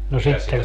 no sitten